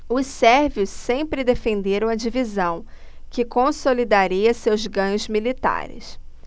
os sérvios sempre defenderam a divisão que consolidaria seus ganhos militares